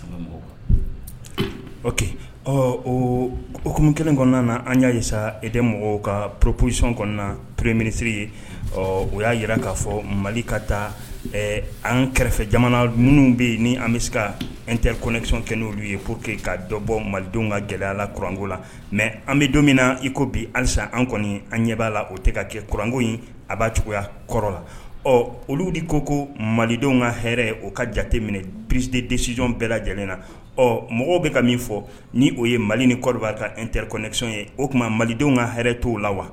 O okumu kelen kɔnɔna an y'a e tɛ mɔgɔw ka purpsisɔn kɔnɔna purre minisiriri ye ɔ o y'a jira k'a fɔ mali ka taa an kɛrɛfɛ jamana ninnu bɛ yen ni an bɛ se ka n teri koɛsɔn kɛ'olu ye ko que ka dɔbɔ malidenw ka gɛlɛ gɛlɛyala kurangoko la mɛ an bɛ don min na iko bi ansa an kɔni an ɲɛ b'a la o tɛ ka kɛ kuranko in a b'a cogoya kɔrɔ la ɔ oludi ko ko malidenw ka h o ka jateminɛ ppisite desiyɔn bɛɛ lajɛlen na ɔ mɔgɔw bɛ ka min fɔ ni o ye mali ni kɔrɔ b'a ka n terirkɛsɔn ye o tuma malidenw ka hɛ t' o la wa